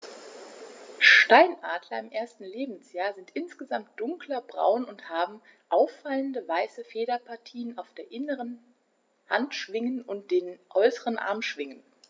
Steinadler im ersten Lebensjahr sind insgesamt dunkler braun und haben auffallende, weiße Federpartien auf den inneren Handschwingen und den äußeren Armschwingen.